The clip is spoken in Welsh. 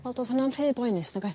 Wel do'dd hwnna'm rhy boenus nag oedd?